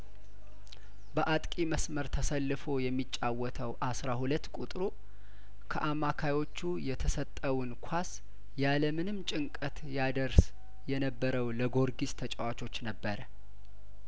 በአጥቂ መስመር ተሰልፎ የሚጫወተው አስራ ሁለት ቁጥሩ ከአማካዮቹ የተሰጠውን ኳስ ያለምንም ጭንቀት ያደርስ የነበረው ለጐርጊስ ተጫዋቾች ነበረ